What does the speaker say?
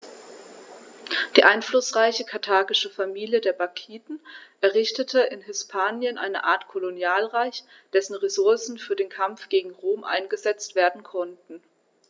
Die einflussreiche karthagische Familie der Barkiden errichtete in Hispanien eine Art Kolonialreich, dessen Ressourcen für den Kampf gegen Rom eingesetzt werden konnten.